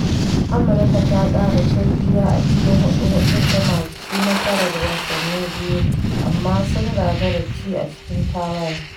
Amurka ta ƙara turjiya a cikin huɗu-huɗun, tana ci nasarar wasanni biyu, amma sun gagara ci a cikin tawayar.